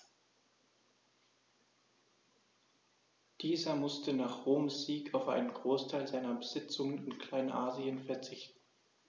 Dieser musste nach Roms Sieg auf einen Großteil seiner Besitzungen in Kleinasien verzichten.